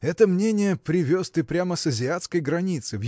Это мнение привез ты прямо с азиатской границы